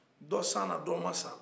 dɔ sanna dɔ ma san